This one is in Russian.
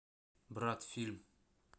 брат фильм